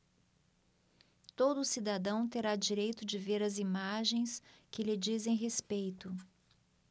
todo cidadão terá direito de ver as imagens que lhe dizem respeito